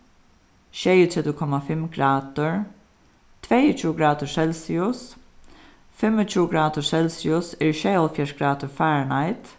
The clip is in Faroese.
sjeyogtretivu komma fimm gradir tveyogtjúgu gradir celsius fimmogtjúgu gradir celsius eru sjeyoghálvfjerðs gradir fahrenheit